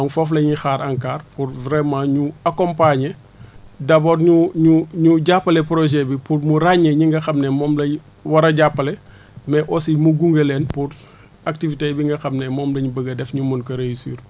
donc foofu la ñuy xaar ANCAR pour vraiment ñu accompagner d' abord ñu ñu ñu ñu jàppale projet bi pour mu ràññee ñi nga xam ne moom lañ war a jàppale mais aussi mu gunge leen pour activité bi nga xam ne moom la ñu bëgg a def ñu mun ko réussir